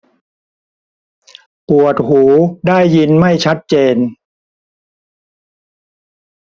ปวดหูได้ยินไม่ชัดเจน